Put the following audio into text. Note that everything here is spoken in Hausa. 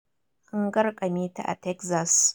An garkame ta a Texas.